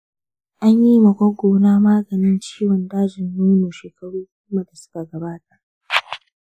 an yima gwaggona maganin ciwon dajin nono shekaru goma da su ka gabata